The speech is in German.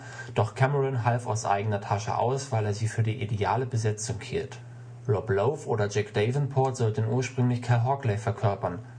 Cameron half aus eigener Tasche aus, weil er sie für die ideale Besetzung hielt. Rob Lowe oder Jack Davenport sollten ursprünglich Cal Hockley verkörpern